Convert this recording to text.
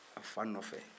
a fa nɔfɛ